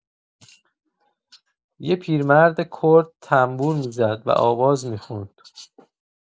یه پیرمرد کرد تنبور می‌زد و آواز می‌خوند.